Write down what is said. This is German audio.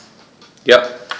Ja.